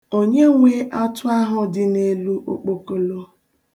Onye nwe atụ ahụ dị n'elu okpokolo?